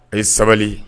A ye sabali